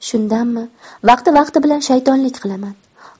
shundanmi vaqti vaqti bilan shaytonlik qilaman